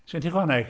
Sgen ti chwaneg?